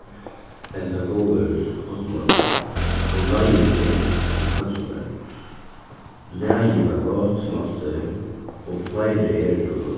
henda góðveðurs hósmorgun og leiðin gekk til klaksvíkar lagið var gott sum altíð og fleiri eru